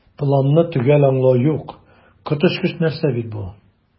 "планны төгәл аңлау юк, коточкыч нәрсә бит бу!"